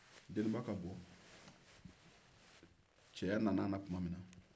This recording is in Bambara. deninba ka bɔ cɛya nan'a la tuma min na